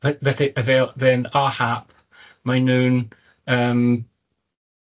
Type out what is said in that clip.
Fe- Felly fel fe'n ar hap, mae'n nhw'n yym